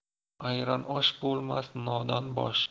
ayron osh bo'lmas nodon bosh